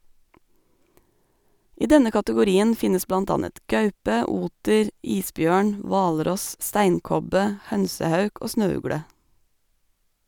I denne kategorien finnes blant annet gaupe, oter, isbjørn, hvalross, steinkobbe, hønsehauk og snøugle.